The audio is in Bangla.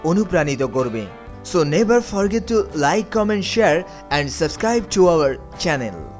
অনুপ্রাণিত করবে শোন never forget to like comment share and subscribe to our channel